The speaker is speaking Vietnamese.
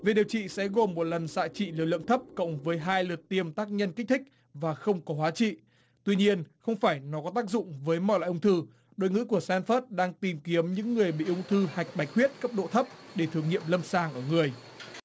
việc điều trị sẽ gồm một lần xạ trị liều lượng thấp cộng với hai lượt tiêm tác nhân kích thích và không có hóa trị tuy nhiên không phải nó có tác dụng với mọi loại ung thư đội ngũ của san phớt đang tìm kiếm những người bị ung thư hạch bạch huyết cấp độ thấp để thử nghiệm lâm sàng ở người